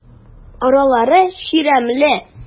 Аралары чирәмле.